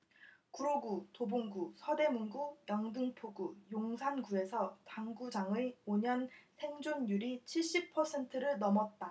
구로구 도봉구 서대문구 영등포구 용산구에서 당구장의 오 년 생존율이 칠십 퍼센트를 넘었다